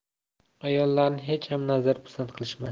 ayollarni hecham nazar pisand qilishmasdi